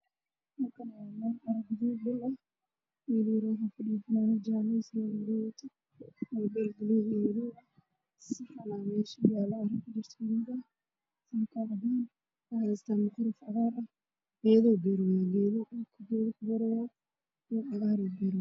Meeshan waxaa fadhiyo nin gacanta ku wado taleefan wuxuuna beerayaa dhir